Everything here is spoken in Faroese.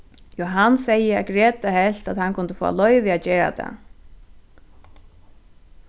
jóhan segði at greta helt at hann kundi fáa loyvi at gera tað